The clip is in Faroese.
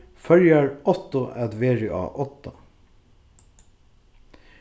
føroyar áttu at verið á odda